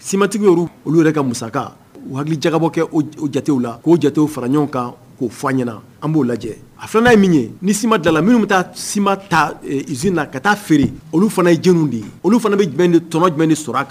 Ciment tigiw yɔrɔw olu ka musaka, u hakilijabɔ kɛ o jatew la k'o jatew fara ɲɔgɔn kan k'o fɔ an ɲɛna an b'o lajɛ, a filanan ye min ye ni ciment dilanna minnu bɛ taa ciment ta usine na ka ta'a feere olu fana ye jɔniw de ye, olu fana bɛ jumɛn de tɔnɔ jumɛn de sɔrɔ a kan